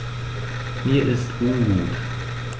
Mir ist ungut.